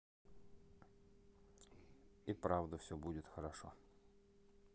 и правда все будет хорошо